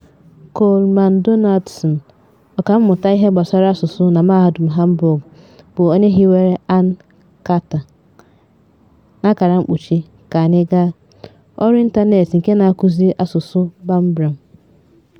Coleman Donaldson, ọkàmmụta ihe gbasara asụsụ na Mahadum Hamburg bụ onye hiwere An ka taa ("ka anyị gaa") ọrụ ịntaneetị nke na-akụzi asụsụ Bambara.